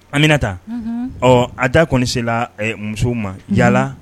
Aminata. Unhun. Ɔɔ a da kɔnni sera ɛɛ musow ma, yalala